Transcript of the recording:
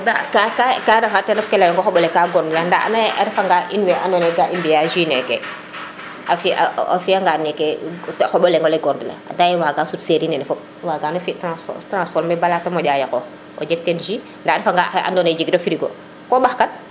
ka refa ten ref ke leyonga o xoɓole ka ka goble a nda ane a refa nga in we ando naye ka i mbiya jus neke o fiya nga neke xoɓole goble ande waga sut série neke fop waga no fi taranfomer bala te moƴa yaqox o jeg teen jus a refa nga xe ando naye jegiro frigo ko mbax kan